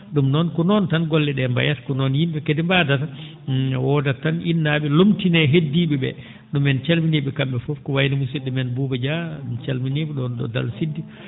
?um noon ko noon tan golle ?ee mbayata ko noon yim?e kadi mbaadata woodat tan innaa?e lomtinee heddii?e ?ee ?um en calminii kam?e fof ko wayi no musid?o men Bouba Dia en calminima ?on ?o Dal Siddi